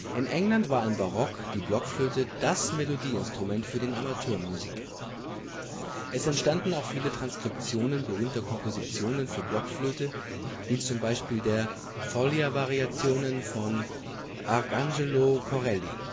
In England war im Barock die Blockflöte das Melodieinstrument für den Amateurmusiker. Es entstanden auch viele Transkriptionen berühmter Kompositionen für Blockflöte wie z. B. der Follia-Variationen von Arcangelo Corelli